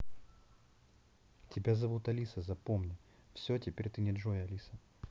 тебя зовут алиса запомни все теперь ты не джой алиса